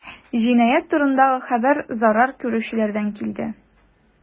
Җинаять турындагы хәбәр зарар күрүчедән килде.